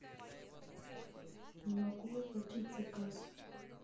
не могу оплатить заказ